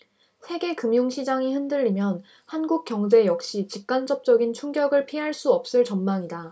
세계 금융시장이 흔들리면 한국 경제 역시 직간접적인 충격을 피할 수 없을 전망이다